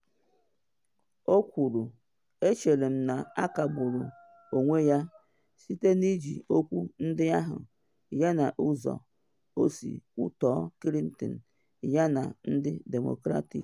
O kwuru “echere m na ọ kagburu onwe ya site na iji okwu ndị ahụ yana n’ụzọ o si kwutọọ Clintons yana ndị Demokrat,”